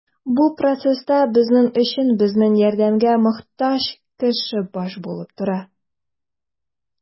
Бу процесста безнең өчен безнең ярдәмгә мохтаҗ кеше баш булып тора.